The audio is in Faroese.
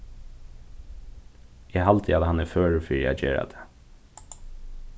eg haldi at hann er førur fyri at gera tað